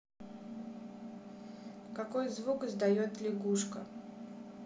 какой звук издает лягушка